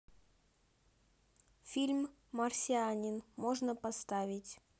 фильм марсианин можно поставить